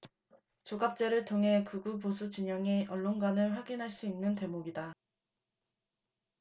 조갑제를 통해 극우보수진영의 언론관을 확인할 수 있는 대목이다